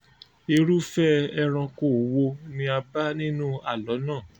"Irúfẹ́ ẹranko wo ni a bá nínú àlọ́ náà?",